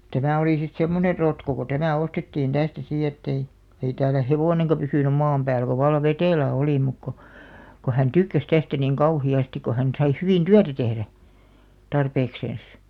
tämä oli sitten semmoinen rotko kun tämä ostettiin tästä sitten että ei ei täällä hevonenkaan pysynyt maan päällä kun vallan vetelä oli mutta kun kun hän tykkäsi tästä niin kauheasti kun hän sai hyvin työtä tehdä tarpeeksensa